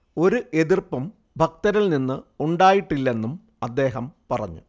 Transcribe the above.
ഒരു എതിർപ്പും ഭക്തരിൽനിന്ന് ഉണ്ടായിട്ടില്ലെന്നും അദ്ദേഹം പറഞ്ഞു